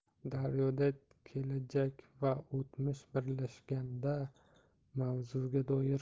daryo da kelajak va o'tmish birlashgandaavzuga doir